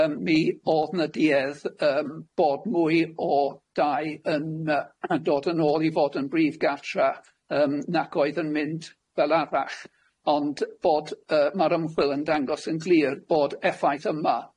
yym mi o'dd na duedd yym bod mwy o dai yn yy yn dod yn ôl i fod yn brif gartra yym nac oedd yn mynd fel arall ond bod yy ma'r ymchwil yn dangos yn glir bod effaith yma